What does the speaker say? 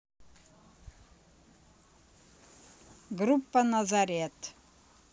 группа назарет